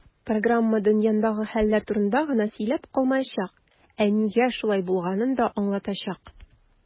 Программа "дөньядагы хәлләр турында гына сөйләп калмаячак, ә нигә шулай булганын да аңлатачак".